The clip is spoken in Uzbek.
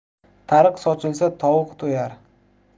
tariq sochilsa tovuq to'yar